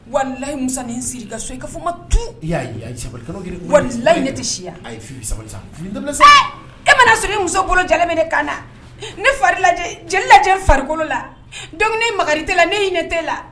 Walilayi mu siri ka so i fɔ ma tu waliyi tɛ si e mana sunjata muso ka na ne fari la maga tɛ ne hinɛ t la